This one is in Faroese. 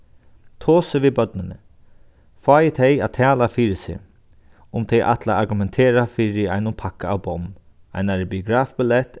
tosið við børnini fáið tey at tala fyri seg um tey ætla at argumentera fyri einum pakka av bomm einari biografbillett